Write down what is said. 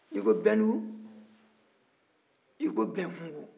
n'i ko bɛndugu i ko bɛnkungo